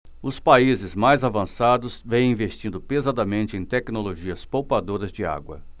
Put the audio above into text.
os países mais avançados vêm investindo pesadamente em tecnologias poupadoras de água